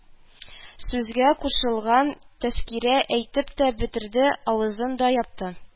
Сүзгә кушылган Тәскирә әйтеп тә бетерде, авызын да япты